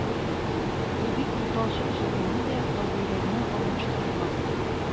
Бу бик буталчык җөмләне дә гадиерәгенә алмаштырырга булдым.